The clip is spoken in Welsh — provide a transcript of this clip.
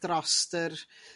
drost yr